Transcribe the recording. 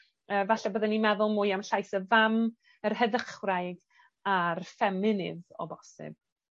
yy falle byddwn ni'n meddwl mwy am llais y fam, yr heddychwraig, a'r ffeminydd o bosib.